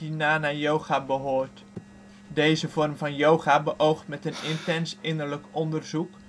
jnana yoga behoort. Deze vorm van yoga beoogt met een intens innerlijk onderzoek